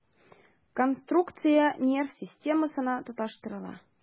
Конструкция нерв системасына тоташтырыла.